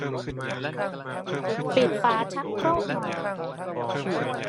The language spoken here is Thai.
ปิดฝาชักโครกหน่อย